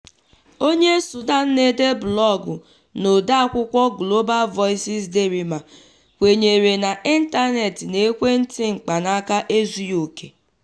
Onye Sudan na-ede blọọgụ na odeakwụkwọ Global Voices Derima kwenyere na intaneti na ekwentị mkpanaka ezughị òkè.